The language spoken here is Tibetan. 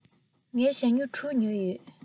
ངས ཞྭ སྨྱུག དྲུག ཉོས ཡོད